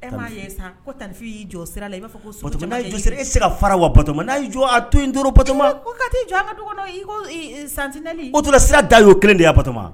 E m'a ye sa ko tante Fili y'i jɔ sira la, i b'a fɔ ko Btɔma n'a y'i jɔ sira la, e tɛ se ka fara wa Batoma, n'a y'i jɔ a to yen dɔrnw Batɔma, ee ka t'i jɔ an ka so kɔnɔ i ko santinelle ɔ tɔ la sira dan ye o kelen ye wa Batɔma?